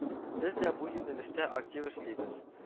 Без дә бу юнәлештә актив эшлибез